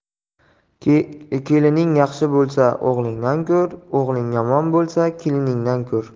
kelining yaxshi bo'lsa o'g'lingdan ko'r o'g'ling yomon bo'lsa keliningdan ko'r